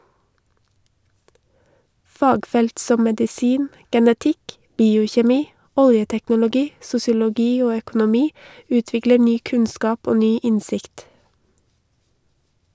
Fagfelt som medisin , genetikk, biokjemi, oljeteknologi, sosiologi og økonomi utvikler ny kunnskap og ny innsikt.